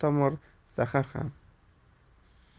ham tomar zahar ham